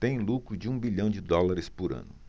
tem lucro de um bilhão de dólares por ano